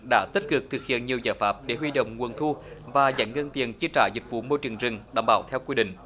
đã tích cực thực hiện nhiều giải pháp để huy động nguồn thu và giải ngân tiền chi trả dịch vụ môi trường rừng đảm bảo theo quy định